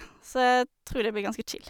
Så jeg tror det blir ganske chill.